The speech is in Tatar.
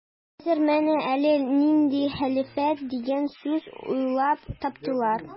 Хәзер менә әллә нинди хәлифәт дигән сүз уйлап таптылар.